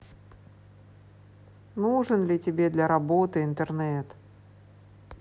нужен ли тебе для работы интернет